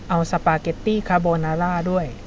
เอาสปาเก็ตตี้คาโบนาร่าด้วย